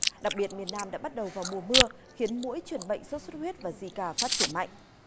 đặc biệt miền nam đã bắt đầu vào mùa mưa khiến muỗi truyền bệnh sốt xuất huyết và di ca phát triển mạnh